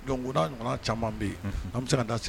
Dɔnku koda nana caman bɛ yen an bɛ se ka da sigi